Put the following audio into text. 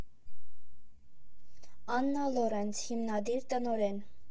Աննա Լորենց հիմնադիր, տնօրեն։